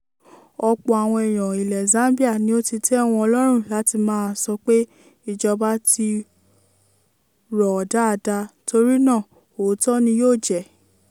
Ọ̀pọ̀ àwọn èèyàn ilẹ̀ Zambia ni ó ti tẹ́ wọn lọ́rùn láti máa sọ pé, " ìjọba ti rò ó dáadáa, torí náà òótọ́ ni yóò jẹ́.